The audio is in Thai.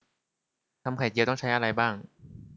ทำไข่เจียวต้องใช้อะไรบ้าง